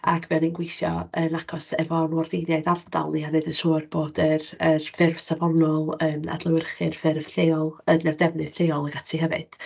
Ac fuon ni'n gweithio yn agos efo'n wardeiniad ardal ni, a wneud yn siŵr bod yr yr ffurf safonol yn adlewyrchu'r ffurf lleol yn y defnydd lleol ac ati hefyd.